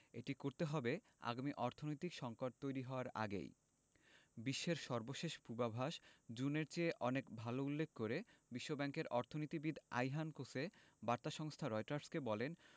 এটি করতে হবে আগামী অর্থনৈতিক সংকট তৈরি হওয়ার আগেই বিশ্বের সর্বশেষ পূর্বাভাস জুনের চেয়ে অনেক ভালো উল্লেখ করে বিশ্বব্যাংকের অর্থনীতিবিদ আয়হান কোসে বার্তা সংস্থা রয়টার্সকে বলেন